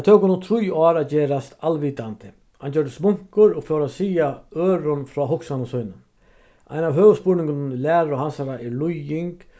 tað tók honum trý ár at gerast alvitandi hann gjørdist munkur og fór at siga øðrum frá hugsanum sínum ein av høvuðsspurningunum í læru hansara er líðing